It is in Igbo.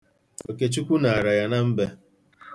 Okechukwu naara ya na mbe.